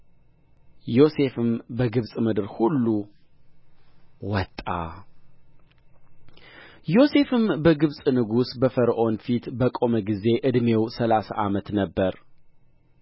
ዮሴፍም በግብፅ ምድር ሁሉ ወጣ ዮሴፍም በግብፅ ንጉሥ በፈርዖን ፊት በቆመ ጊዜ ዕድሜው ሠላሳ ዓመት ነበረ